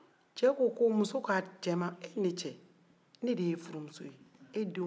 e denw ba ye ne de ye